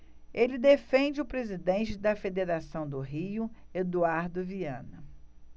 ele defende o presidente da federação do rio eduardo viana